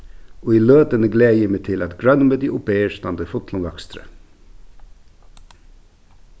í løtuni gleði eg meg til at grønmeti og ber standa í fullum vøkstri